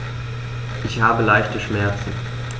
Ich habe leichte Schmerzen.